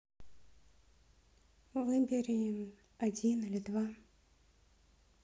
выбери один или два